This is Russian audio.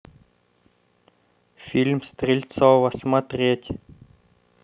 фильм стрельцова смотреть